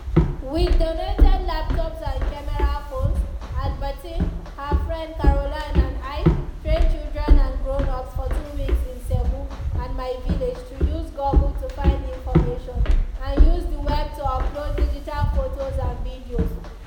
With donated laptops and camera phones, Albertine, her friend Caroline and I trained children and grown-ups for two weeks in Ségou and my village to use Google to find information, and use the Web to upload digital photos and videos.